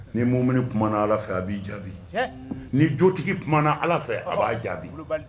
Ni mm kumaumana ala fɛ a b'i jaabi ni jotigi t ala fɛ a b'a jaabi